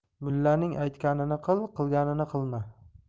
mullaning aytganini qil qilganini qilma